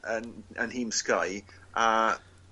... yn yn nhîm Sky a